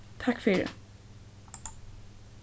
takk fyri